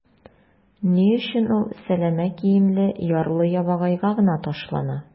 Ни өчен ул сәләмә киемле ярлы-ябагайга гына ташлана?